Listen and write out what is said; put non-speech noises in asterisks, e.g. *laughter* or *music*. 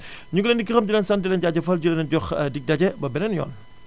*inhales* ñu ngi leen di gërëm di leen sant di leen jaajëfal di leen jox dig daje ba beneen yoon